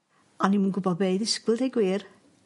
O'n i'm yn gwbo be' i ddisgwyl deu' gwir.